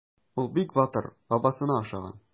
Ул бик батыр, бабасына охшаган.